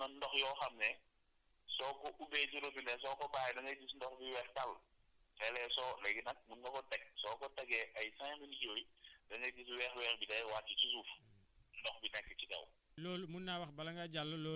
xam nga léeg-léeg soo seetloo am na ndox yoo xam ne dsoo ko ubbee ci robinet soo bàyyee da ngay gis ndox bi weex tàll léeg-léeg soo léegi nag mun nga ko teg soo ko tegee ay cinq minutes yooyu da ngay gis weex weex bi day wàcc si suuf bdox bi nekk ci kaw